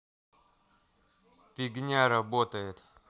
фигня работает